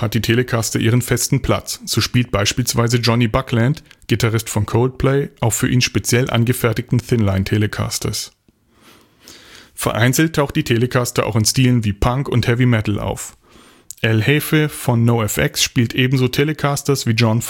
die Telecaster ihren festen Platz, so spielt beispielsweise Jonny Buckland, Gitarrist von Coldplay, auf für ihn speziell angefertigten „ Thinline Telecasters “. Vereinzelt taucht die Telecaster auch in Stilen wie Punk und Heavy Metal auf. El Hefe von NOFX spielt ebenso Telecasters wie John